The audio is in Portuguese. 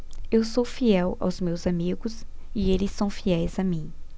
eu sou fiel aos meus amigos e eles são fiéis a mim